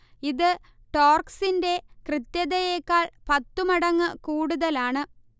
ഇത് ടോർക്സിന്റെ കൃത്യതയേക്കാൾ പത്തു മടങ്ങ് കൂടുതലാണ്